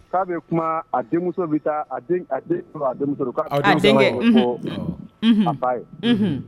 K'a bɛ kuma a denmuso bɛ taa denmuso fo a ba ye